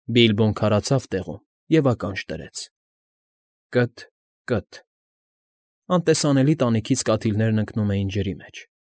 Բիլբոն քարացավ տեղում և ականջ դրեց. «կը՛թ, կը՛թ» անտեսանելի տանիքից կաթիլներն ընկնում էին ջրի մեջ։